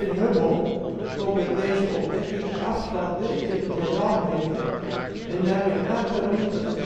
Hubble kon met deze ontdekking de afstanden in het heelal meten en daarmee aantonen dat